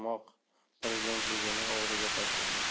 moq prezidentligini o'g'liga topshirdi